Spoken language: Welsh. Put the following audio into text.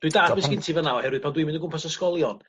Dwi dallt be' sgen ti fan 'na oherwydd pan dwi'n mynd o gwmpas ysgolion.